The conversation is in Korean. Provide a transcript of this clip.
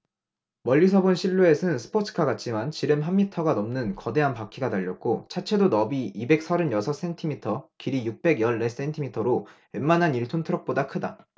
멀리서 본 실루엣은 스포츠카 같지만 지름 한 미터가 넘는 거대한 바퀴가 달렸고 차체도 너비 이백 서른 여섯 센티미터 길이 육백 열 네 센티미터로 웬만한 일 톤 트럭보다 크다